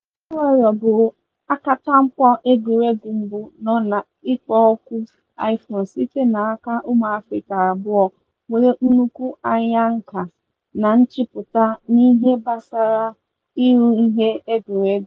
iWarrior bụ akantamkpo egwuregwu mbụ nọ na ikpo okwu iPhone site n'aka ụmụ Afrịka abụọ nwere nnukwu anya nkà na nchepụta n'ihe gbasara ịrụ ihe egwuregwu.